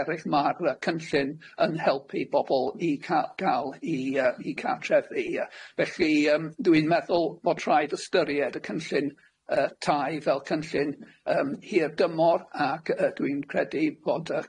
eryll, ma'r yy cynllun yn helpu bobol i ca- ga'l i yy i cartrefi yy felly yym dwi'n meddwl bod rhaid ystyried y cynllun yy tai fel cynllun yym hir dymor ac yy dwi'n credu bod yy